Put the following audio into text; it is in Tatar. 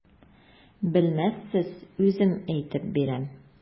Белмәссез, үзем әйтеп бирәм.